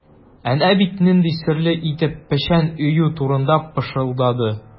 Әнә бит нинди серле итеп печән өю турында пышылдады.